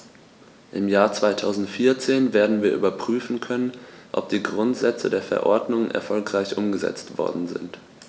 Im Jahr 2014 werden wir überprüfen können, ob die Grundsätze der Verordnung erfolgreich umgesetzt worden sind.